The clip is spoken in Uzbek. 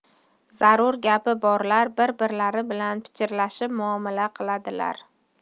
zarur gapi borlar bir birlari bilan pichirlashib muomala qiladilar